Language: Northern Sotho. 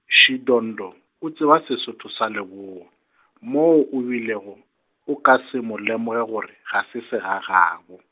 Shidondho o tseba Sesotho sa Leboa, mo o o bilego, o ka se mo lemoge gore, ga se segagabo.